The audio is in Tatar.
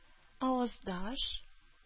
Аваздаш